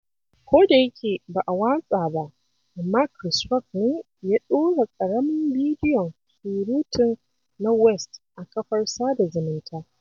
Kodayake ba a watsa ba, amma Chris Rock ne ya ɗora ƙaramin bidiyon surutun na West a kafar sada zumunta.